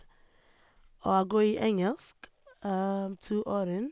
Og jeg går i engelsk, to årene.